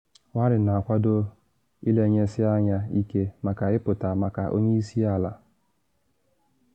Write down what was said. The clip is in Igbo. Warren na akwado ‘ịlenyesị anya ike’ maka ịpụta maka onye isi ala